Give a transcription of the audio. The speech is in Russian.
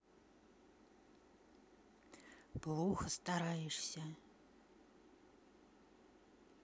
плохо стараешься